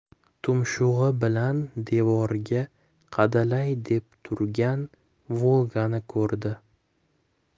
tumshug'i bilan devorga qadalay deb turgan volgani ko'rdi